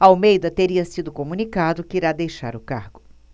almeida teria sido comunicado que irá deixar o cargo